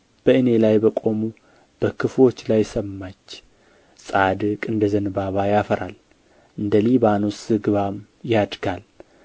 በእኔ ላይ በቆሙ በክፉዎች ላይ ሰማች ጻድቅ እንደ ዘንባባ ያፈራል እንደ ሊባኖስ ዝግባም ያድጋል